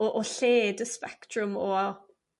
o o lled y sbectrwm o